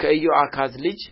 ከኢዮአካዝ ልጅ